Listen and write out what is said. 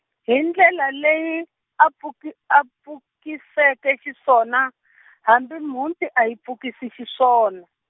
hi ndlela leyi, a pfuki- a pfukiseke xiswona , hambi mhunti a yi pfukisi xiswona.